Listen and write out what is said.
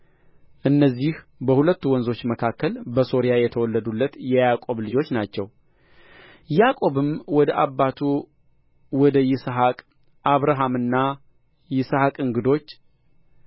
እነዚህ በሁለቱ ወንዞች መካከል በሶርያ የተወለዱለት የያዕቆብ ልጆች ናቸው ያዕቆብም ወደ አባቱ ወደ ይስሐቅ አብርሃምና ይስሐቅ እንግዶች